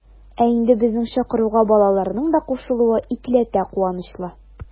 Ә инде безнең чакыруга балаларның да кушылуы икеләтә куанычлы.